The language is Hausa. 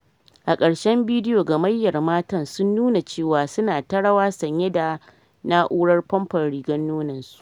a karshen bidio gamayyar matan sun nuna cewa su na ta rawa sanye da nau’rar famfon a rigar nonon su.